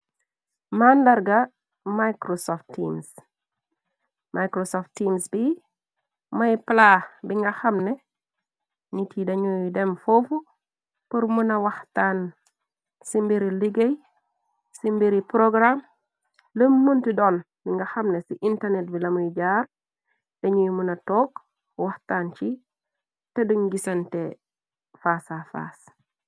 Mandarga microsoft teams bi mëy plaa bi nga xamne nit yi dañuy dem foofu për mu na waxtaan ci mbiri liggéey ci mbiri porogarame lum mënti doon bi nga xamne ci internet bi lamuy jaar te ñuy muna took waxtaan ci te duñ gisante faasa faas.